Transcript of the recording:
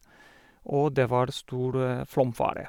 Og det var stor flomfare.